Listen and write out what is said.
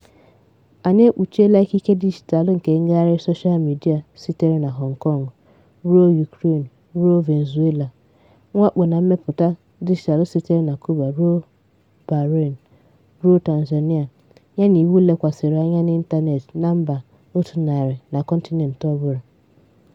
Anyị ekpuchiela ikike dijitaalụ nke ngagharị soshal midịa sitere na Hong Kong ruo Ukraine ruo Venezuela, mwakpo na mmepụta dijitaalụ sitere na Cuba ruo Bahrain ruo Tanzania, yana iwu lekwasịrị anya n'ịntaneetị na mba 100 na kọntinent ọbụla.